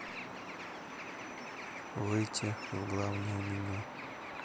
выйти в главное меню